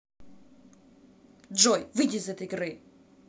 джой выйди из этого игры